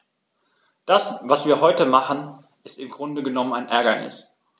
Das, was wir heute machen, ist im Grunde genommen ein Ärgernis.